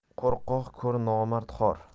qo'rqoq ko'r nomard xor